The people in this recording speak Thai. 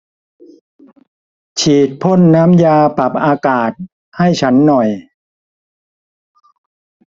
ฉีดพ่นน้ำยาปรับอากาศให้ฉันหน่อย